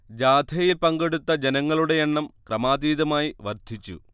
ജാഥയിൽ പങ്കെടുത്ത ജനങ്ങളുടെ എണ്ണം ക്രമാതീതമായി വർദ്ധിച്ചു